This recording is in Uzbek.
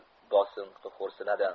bosinqi xo'rsinadi